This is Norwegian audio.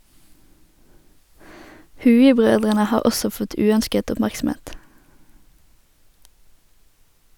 Hui-brødrene har også fått uønsket oppmerksomhet.